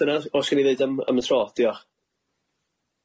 dyna o sgen i ddeud am am y tro diolch.